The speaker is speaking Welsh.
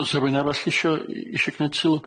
O's 'a rywun arall isio i- isio gneud sylw?